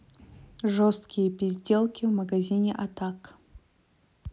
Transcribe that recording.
жесткие пизделки в магазине атак